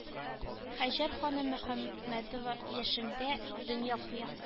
Һаҗәр ханым мөхәммәдова яшендә дөнья куя